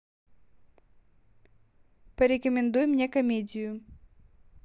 порекомендуй мне комедию